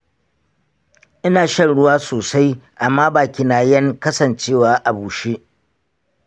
ina shan ruwa sosai amma bakina yan kasancewa a bushe.